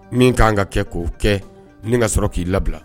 Min ka an ka kɛ k'o kɛ ni ka sɔrɔ k'i labila